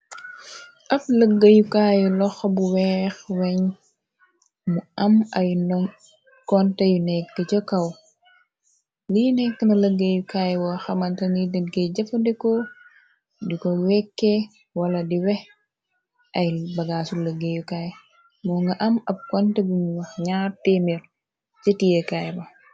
ab lëggéyukaayu loxa bu weex weñ mu am ay ndom konte yu nekk ca kaw li nekk na lëggéeyukaay woo xamanta ni dëggéey jëppandekoo di ko wekkee wala di wex ay bagaasu lëggéeyukaay moo nga am ab konte bu am nyaar temmer ce tiyékaay ba